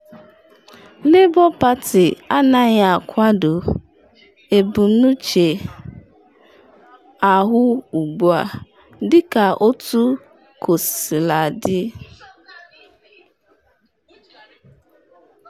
Labour Party anaghị akwado ebumnuche ahụ ugbu a dịka otu, kosiladị.